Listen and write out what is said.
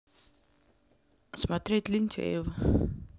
смотреть лентяево